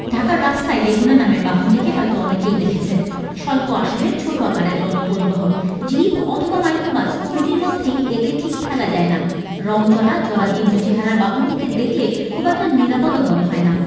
ঢাকার রাস্তায় লেগুনা নামের বাহনটিকে হয়তো অনেকেই দেখেছেন স্বল্প আসনের ছোট আকারের গণপরিবহন জিপ অথবা মাইক্রোবাস কোনটির মধ্যেই একে ঠিক ফেলা যায় না রঙ চটা জরাজীর্ণ চেহারার বাহনটিকে দেখলে খুব একটা নিরাপদ ও মনে হয় না